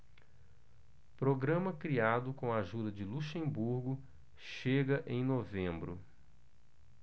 programa criado com a ajuda de luxemburgo chega em novembro